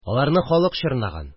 Аларны халык чорнаган